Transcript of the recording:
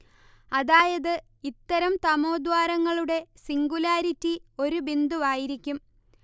അതായത് ഇത്തരം തമോദ്വാരങ്ങളുടെ സിംഗുലാരിറ്റി ഒരു ബിന്ദുവായിരിക്കും